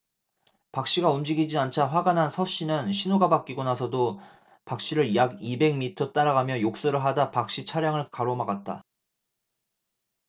박씨가 움직이지 않자 화가 난 서씨는 신호가 바뀌고 나서도 박씨를 약 이백 미터 따라가며 욕설을 하다 박씨 차량을 가로막았다